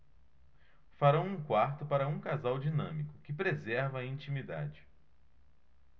farão um quarto para um casal dinâmico que preserva a intimidade